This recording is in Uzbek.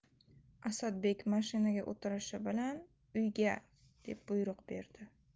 asadbek mashinaga o'tirishi bilan uyga deb buyruq berdi